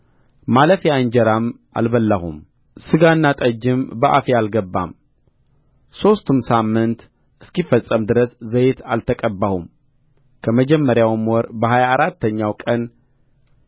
ማለፊያ እንጀራም አልበላሁም ሥጋና ጠጅም በአፌ አልገባም ሦስቱም ሳምንት እስኪፈጸም ድረስ ዘይት አልተቀባሁም ከመጀመሪያውም ወር በሀያ አራተኛው ቀን